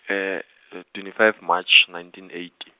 twenty five March, nineteen eighty.